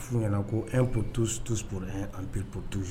A f'u ɲɛna ko 1 pour tous, tous pour 1, en tout pou tous